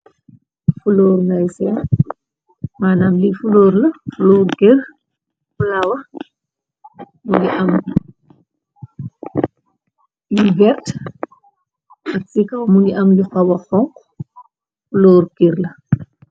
Fuloor nay seen manam li fuloor la floor gër plawa mu ngi am yu gert ak ci kawa mu ngi am yu xawa xonx flooru kir la.